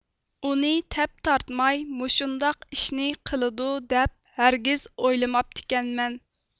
ئۇنى تەپ تارتماي مۇشۇنداق ئىشنى قىلىدۇ دەپ ھەرگىز ئويلىماپتىكەنمەن